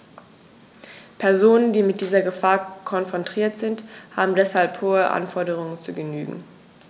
Personen, die mit dieser Gefahr konfrontiert sind, haben deshalb hohen Anforderungen zu genügen.